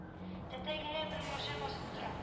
Тәтәй генә бер марҗа басып тора